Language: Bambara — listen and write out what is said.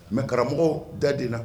Mɛ karamɔgɔ da de la